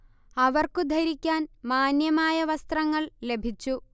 അവർക്കു ധരിക്കാൻ മാന്യമായ വസ്ത്രങ്ങൾ ലഭിച്ചു